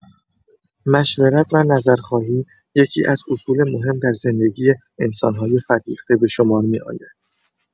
مشورت و نظرخواهی یکی‌از اصول مهم در زندگی انسان‌های فرهیخته به‌شمار می‌آید.